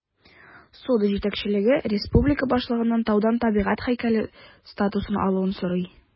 Сода җитәкчелеге республика башлыгыннан таудан табигать һәйкәле статусын алуны сорый.